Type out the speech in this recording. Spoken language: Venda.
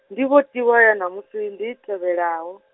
ndivhotiwa ya ṋamusi ndi i tevhelaho.